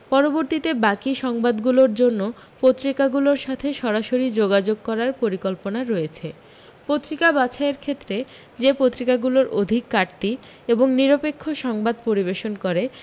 পরবর্তীতে বাকী সংবাদগুলোর জন্য পত্রিকাগুলোর সাথে সরাসরি যোগাযোগ করার পরিকল্পনা রয়েছে পত্রিকা বাছাইয়ের ক্ষেত্রে যে পত্রিকাগুলোর অধিক কাটতি এবং নিরপেক্ষ সংবাদ পরিবেশন করে